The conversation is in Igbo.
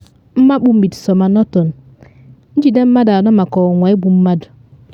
Mmakpu Midsomer Norton: Njide mmadụ anọ maka ọnwụnwa igbu mmadụ